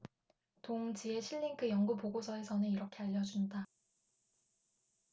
동 지에 실린 그 연구 보고서에서는 이렇게 알려 준다